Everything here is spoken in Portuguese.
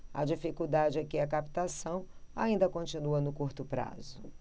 a dificuldade é que a captação ainda continua no curto prazo